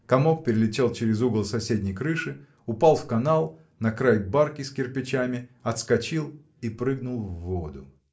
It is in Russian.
комок перелетел через угол соседней крыши упал в канал на край барки с кирпичами отскочил и прыгнул в воду.